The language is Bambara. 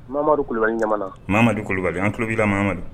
Kulubalimadu kulubali an kulobiramadu